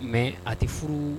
Mɛ a tɛ furu